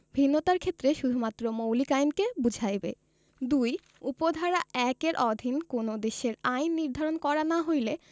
ভিন্নতার ক্ষেত্রে শুধুমাত্র মৌলিক আইনকে বুঝাইবে ২ উপ ধারা ১ এর অধীন কোন দেশের আইন নির্ধারণ করা না হইলে